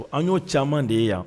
An y'o caman de ye yan